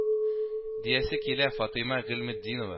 Диясе килә фатыйма гыйльметдинова